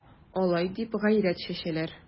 Алай дип гайрәт чәчәләр...